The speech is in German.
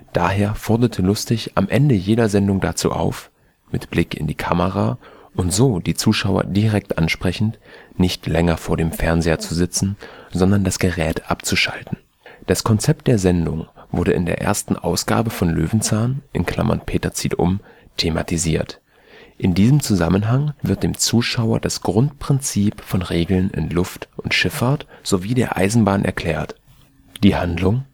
Daher forderte Lustig am Ende jeder Sendung dazu auf – mit Blick in die Kamera und so die Zuschauer direkt ansprechend – nicht länger vor dem Fernseher zu sitzen, sondern das Gerät abzuschalten. Der Bauwagen Das Konzept der Sendung wurde in der ersten Ausgabe von Löwenzahn (Peter zieht um) thematisiert. In diesem Zusammenhang wird dem Zuschauer das Grundprinzip von Regeln in Luft - und Schifffahrt sowie der Eisenbahn erklärt. Die Handlung